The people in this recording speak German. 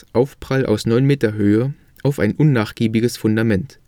Aufprall aus 9 m Höhe auf ein unnachgiebiges Fundament